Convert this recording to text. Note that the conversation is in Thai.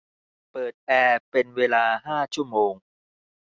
เปิดแอร์เป็นเวลาห้าชั่วโมง